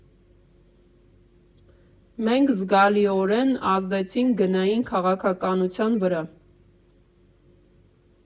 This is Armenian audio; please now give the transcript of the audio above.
«Մենք զգալիորենազդեցինք գնային քաղաքականության վրա։